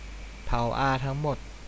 เผาอาทั้งหมด